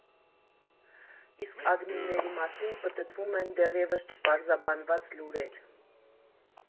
Իսկ ադմինների մասին պտտվում են դեռևս չպարզաբանված լուրեր։